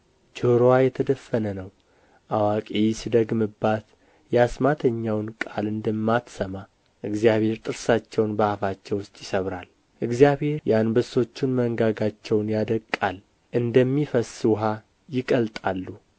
ጆሮዋ የተደፈነ ነው አዋቂ ሲደግምባት የአስማተኛውን ቃል እንደማትሰማ እግዚአብሔር ጥርሳቸውን በአፋቸው ውስጥ ይሰብራል እግዚአብሔር የአንበሶቹን መንጋጋቸውን ያደቅቃል እንደሚፈስስ ውኃ ይቀልጣሉ